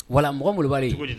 Wa mɔgɔmadubali